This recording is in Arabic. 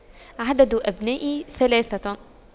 عدد أبنائي ثلاثة